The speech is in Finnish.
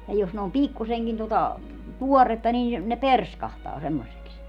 ja jos ne on pikkuisenkin tuota tuoretta niin ne perskahtaa semmoisiksi